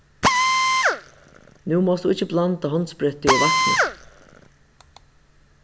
nú mást tú ikki blanda hondsprittið og vatnið